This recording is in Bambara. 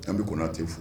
An bɛ kɔnɔna tɛ fo